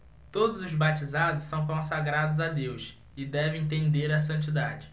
todos os batizados são consagrados a deus e devem tender à santidade